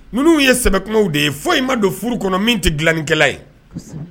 Ninnu ye sɛbɛkumaw de ye fɔ in ma don furu kɔnɔ min tɛ dilainkɛla ye